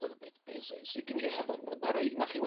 yy, be' be' sy sy gen i ella bod bod na raid onach chi